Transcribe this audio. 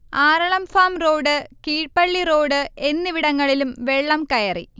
Aralam farm road Keezhpally road എന്നിവിടങ്ങളിലും വെള്ളം കയറി